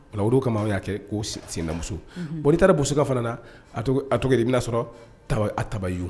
Kama'a kɛ ko sindamuso bon n'i taara buka fana na a i bɛna'a sɔrɔ tabayi yo